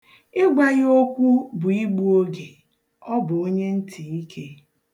Ịgwa ya okwu bụ igbu oge, ọ bu onye ntịike.